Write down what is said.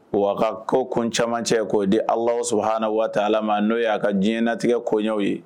Wa ko ko caman cɛ k'o di alaso hana waa ala ma n'o y'a ka diɲɛ natigɛ koɲɔgɔnw ye